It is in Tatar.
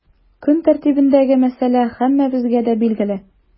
Көн тәртибендәге мәсьәлә һәммәбезгә дә билгеле.